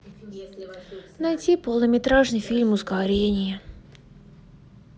найти полнометражный фильм ускорение